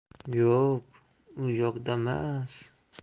yo'q u yoqdamas